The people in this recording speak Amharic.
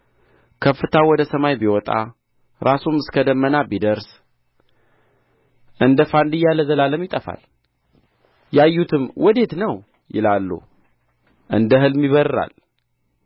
ከፍታው ወደ ሰማይ ቢወጣ ራሱም እስከ ደመና ቢደርስ እንደ ፋንድያ ለዘላለም ይጠፋል ያዩትም ወዴት ነው ይላሉ እንደ ሕልም ይበርራል